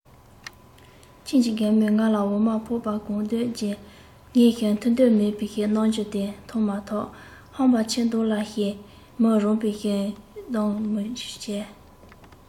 ཁྱིམ གྱི རྒན མོས ང ལ འོ མ ཕོར པ གང ལྡུད རྗེས ངའི འཐུང འདོད མེད པའི རྣམ འགྱུར དེ མཐོང མ ཐག ཧམ པ ཆེ མདོག ལ ཞེས མི རངས པའི སྡིགས མོ བྱས